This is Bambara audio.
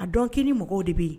A dɔn k'i ni mɔgɔw de bɛ yen